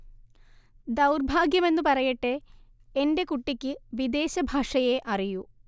ദൗർഭാഗ്യമെന്നു പറയട്ടെ, 'എന്റെ കുട്ടിക്ക് വിദേശഭാഷയേ അറിയൂ'